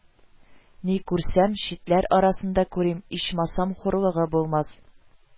– ни күрсәм, читләр арасында күрим, ичмасам, хурлыгы булмас